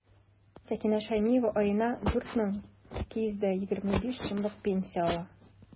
Сәкинә Шәймиева аена 4 мең 225 сумлык пенсия ала.